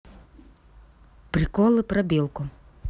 приколы про белку